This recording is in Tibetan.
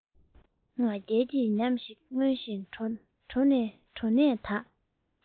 ང རྒྱལ གྱི ཉམས ཤིག མངོན བཞིན གྲོ ནས དག